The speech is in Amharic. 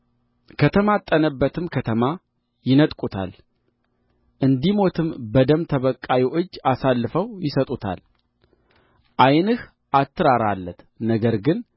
ከተማጠነበትም ከተማ ይነጥቁታል እንዲሞትም በደም ተበቃዩ እጅ አሳልፈው ይሰጡታል ዓይንህ አትራራለት ነገር ግን